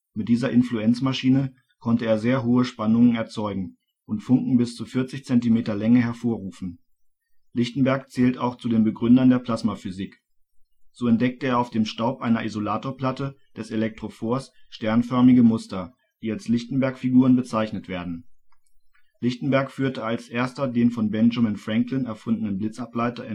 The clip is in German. Mit dieser Influenzmaschine konnte er sehr hohe Spannungen erzeugen und Funken bis zu 40 cm Länge hervorrufen. Lichtenberg zählt auch zu den Begründern der Plasmaphysik. So entdeckte er auf dem Staub einer Isolatorplatte des Elektrophors sternförmige Muster, die als Lichtenberg-Figuren bezeichnet werden. Lichtenberg führte als erster den von Benjamin Franklin erfundenen Blitzableiter